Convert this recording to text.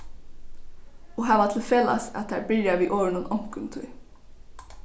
og hava til felags at tær byrja við orðinum onkuntíð